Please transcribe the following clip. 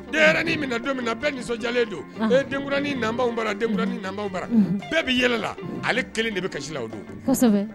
Neaniin min na don min na bɛɛ nisɔndiyalen don denkani bara denkani bara bɛɛ bɛ yɛlɛla ale kelen de bɛ kasila o don